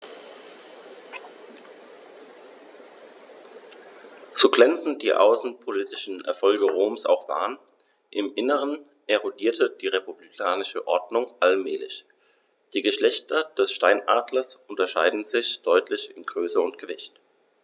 So glänzend die außenpolitischen Erfolge Roms auch waren: Im Inneren erodierte die republikanische Ordnung allmählich. Die Geschlechter des Steinadlers unterscheiden sich deutlich in Größe und Gewicht.